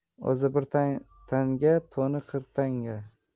o'zi bir tanga to'ni qirq tanga